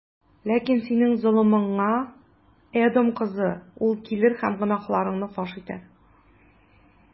Ләкин синең золымыңа, Эдом кызы, ул килер һәм гөнаһларыңны фаш итәр.